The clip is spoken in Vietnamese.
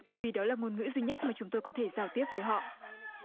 bởi vì đó là ngôn ngữ duy nhất mà chúng tôi có thể giao tiếp với họ